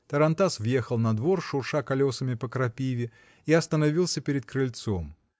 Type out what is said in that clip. Тарантас въехал на двор, шурша колесами по крапиве, и остановился перед крыльцом.